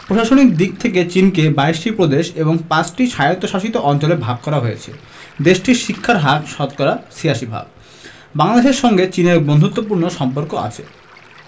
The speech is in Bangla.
প্রশাসনিক দিক থেকে চিনকে ২২ টি প্রদেশ ও ৫ টি স্বায়ত্তশাসিত অঞ্চলে ভাগ করা হয়েছে দেশটির শিক্ষার হার শতকরা ৮৬ ভাগ বাংলাদেশের সঙ্গে চীনের বন্ধুত্বপূর্ণ সম্পর্ক আছে